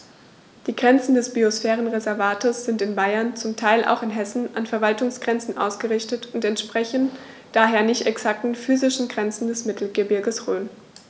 Die Grenzen des Biosphärenreservates sind in Bayern, zum Teil auch in Hessen, an Verwaltungsgrenzen ausgerichtet und entsprechen daher nicht exakten physischen Grenzen des Mittelgebirges Rhön.